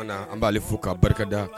An an b'ale fo k'a barikada